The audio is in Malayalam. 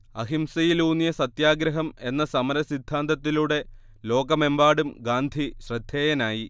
അഹിംസയിലൂന്നിയ സത്യാഗ്രഹം എന്ന സമര സിദ്ധാന്തത്തിലൂടെ ലോകമെമ്പാടും ഗാന്ധി ശ്രദ്ധേയനായി